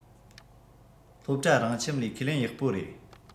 སློབ གྲྭ རང ཁྱིམ ལས ཁས ལེན ཡག པོ རེད